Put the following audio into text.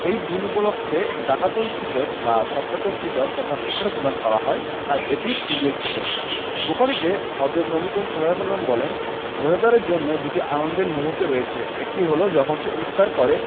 এই দিন উপলক্ষে জাকাতুল ফিতর বা সদকাতুল ফিতর তথা ফিতরা প্রদান করা হয় তাই এটি ঈদুল ফিতর বুখারিতে হজরত নবী করিম সা বলেছেন রোজাদারের জন্য দুটি আনন্দের মুহূর্ত রয়েছে একটি হলো যখন সে ইফতার করে